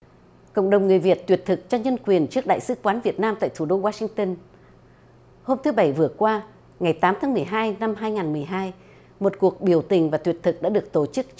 cộng đồng người việt tuyệt thực cho nhân quyền trước đại sứ quán việt nam tại thủ đô washington hôm thứ bảy vừa qua ngày tám tháng mười hai năm hai ngàn mười hai một cuộc biểu tình và tuyệt thực đã được tổ chức